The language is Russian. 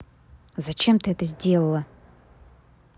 зачем ты это сделала